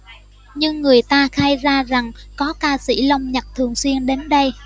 nhưng người ta khai ra rằng có ca sĩ long nhật thường xuyên đến đây